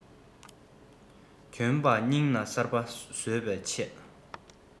གྱོན པ རྙིངས ན གསར པ བཟོས པས ཆོག